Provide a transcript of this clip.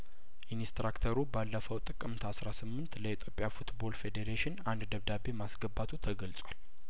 ኢንስትራክተሩ ባለፈው ጥቅምት አስራ ስምንት ለኢትዮጵያ ፉትቦል ፌዴሬሽን አንድ ደብዳቤ ማስገባቱ ተገልጿል